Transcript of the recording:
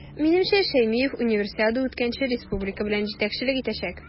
Минемчә, Шәймиев Универсиада үткәнче республика белән җитәкчелек итәчәк.